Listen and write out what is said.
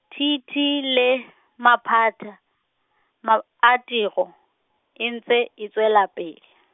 T T le, maphata, ma- a tiro, e ntse e tswela pele.